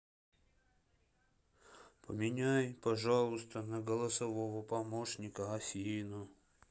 поменяй пожалуйста на голосового помощника афину